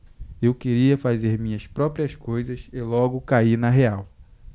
eu queria fazer minhas próprias coisas e logo caí na real